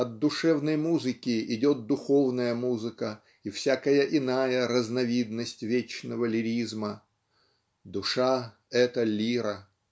от душевной музыки идет духовная музыка и всякая иная разновидность вечного лиризма. Душа - это лира.